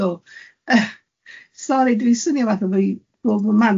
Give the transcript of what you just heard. Do yy. Sori dwi'n swnio fatha bo' i di bo bobman.